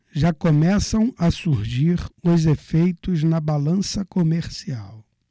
já começam a surgir os efeitos na balança comercial